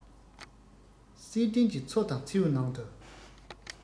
བསིལ ལྡན གྱི མཚོ དང མཚེའུ ནང དུ